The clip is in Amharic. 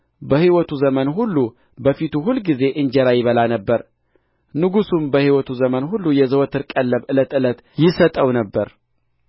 በሕይወቱ ዘመን ሁሉ በፊቱ ሁልጊዜ እንጀራ ይበላ ነበር ንጉሡም በሕይወቱ ዘመን ሁሉ የዘወትር ቀለብ ዕለት ዕለት ይሰጠው ነበር